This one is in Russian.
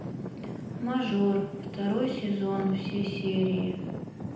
мажор второй сезон все серии